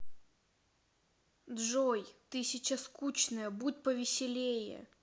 джой тысяча скучная будь повеселее